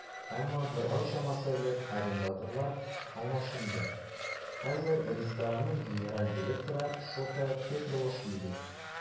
Әмма бер ай чамасы элек арендаторлар алмашынды, хәзер ресторанның генераль директоры Шота Тетруашвили.